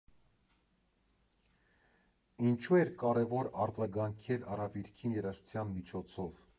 Ինչո՞ւ էր կարևոր արձագանքել արհավիրքին երաժշտության միջոցով։